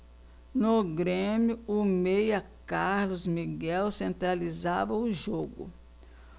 no grêmio o meia carlos miguel centralizava o jogo